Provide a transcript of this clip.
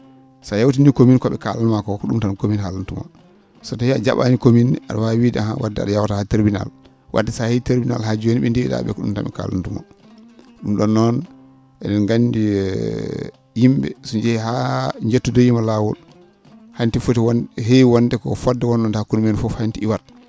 so a yawtinii commune ko ?e kaalanma ko ko ?um tan commune haalantuma so tawii a ja?aani commune a?a waawi wiide haa wadde a?a yawta tribunal wadde so a yahii tribunal haa jooni ?e ndiwi?aa ?ee ko ?um tan ?e kaalantamaa ?um ?oon noon e?en nganndi yim?e so njahii haa njottodiima e laawol hanti foti wonde heewi wonde ko fodde wonnode hakkunde mumen hanti iwat